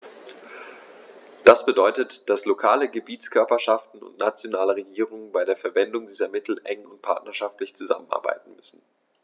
Das bedeutet, dass lokale Gebietskörperschaften und nationale Regierungen bei der Verwendung dieser Mittel eng und partnerschaftlich zusammenarbeiten müssen.